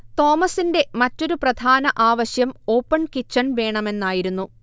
തോമസിന്റെ മറ്റൊരു പ്രധാന ആവശ്യം ഓപ്പൺ കിച്ചൺ വേണമെന്നായിരുന്നു